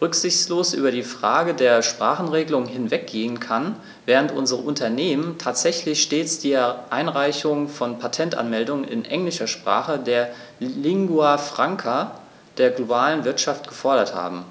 rücksichtslos über die Frage der Sprachenregelung hinweggehen kann, während unsere Unternehmen tatsächlich stets die Einreichung von Patentanmeldungen in englischer Sprache, der Lingua Franca der globalen Wirtschaft, gefordert haben.